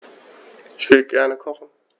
Ich will gerne kochen.